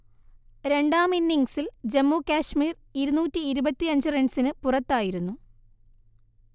രണ്ടാം ഇന്നിങ്സിൽ ജമ്മു കശ്മീർ ഇരുനൂറ്റി ഇരുപത്തിയഞ്ചു റൺസിന് പുറത്തായിരുന്നു